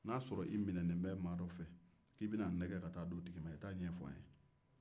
n'a y'a sɔrɔ i minɛnen be maa dɔ fɛ k'i bɛna an nɛgɛn ka taa an di o ma i t'o fɔ an ye